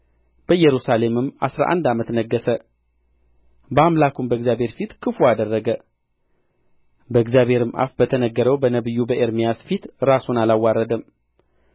በኢየሩሳሌምም አሥራ አንድ ዓመት ነገሠ በአምላኩም በእግዚአብሔር ፊት ክፉ አደረገ በእግዚአብሔርም አፍ በተናገረው በነቢዩ በኤርሚያስ ፊት ራሱን አላወረደም